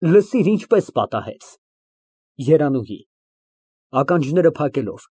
Լսիր, ինչպես պատահեց։ ԵՐԱՆՈՒՀԻ ֊ (Ականջները փակելով)։